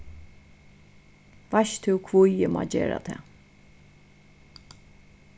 veitst tú hví eg má gera tað